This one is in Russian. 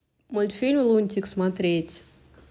мультфильм лунтик смотреть